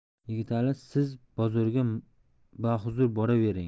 yigitali siz bozorga bahuzur boravering